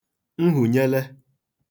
nhụnyele